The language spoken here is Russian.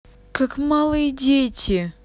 как малые дети